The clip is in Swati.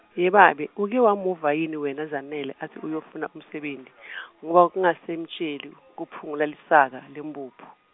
yebabe, uke wamuva yini wena Zanele atsi uyofuna umsebenti , ngoba kungasamtjeli, kuphungula lisaka lemphuphu.